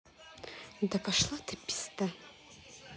да пошла ты пизда